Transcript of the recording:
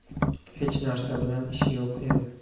hech narsa bilan ishi yo'q edi